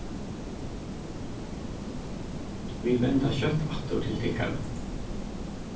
vit venda skjótt aftur til tykkara